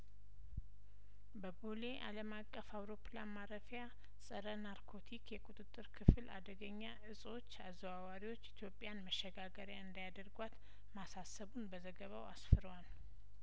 በቦሌ አለም አቀፍ አውሮፕላን ማረፊያ ጸረናርኮቲክ የቁጥጥር ክፍል አደገኛ እጾች አዘዋዋሪዎች ኢትዮጵያን መሸጋገሪያ እንዳያደርጓት ማሳሰቡን በዘገባው አስፍሯል